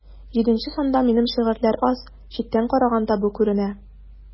Җиденче санда минем шигырьләр аз, читтән караганда бу күренә.